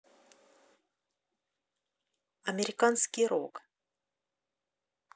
американский рок